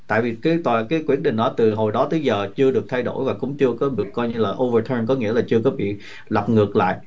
tại vì cái tội cái quyết định nó từ hồi đó tới giờ chưa được thay đổi và cũng chưa có được coi như là ô vờ tưn có nghĩa là chưa có bị lật ngược lại